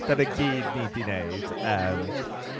Dyna gyd ni 'di wneud, yym.